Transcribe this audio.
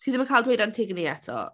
Ti ddim yn cael dweud Antigonie eto.